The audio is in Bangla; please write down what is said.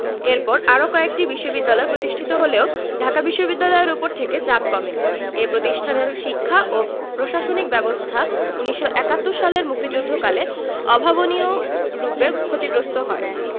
এরপর আরও কয়েকটি বিশ্ববিদ্যালয় প্রতিষ্ঠিত হলেও ঢাকা বিশ্ববিদ্যালয়ের ওপর থেকে চাপ কমেনি এ প্রতিষ্ঠানের শিক্ষা ও প্রশাসনিক ব্যবস্থা ১৯৭১ সালের মুক্তিযুদ্ধকালে অভাবনীয়রূপে ক্ষতিগ্রস্ত হয়